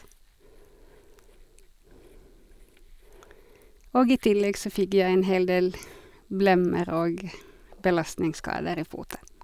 Og i tillegg så fikk jeg en hel del blemmer og belastningsskader i foten.